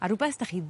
A rwbeth 'dach chi